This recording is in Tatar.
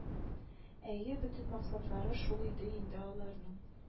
Әйе бөтен максатлары шул иде инде аларның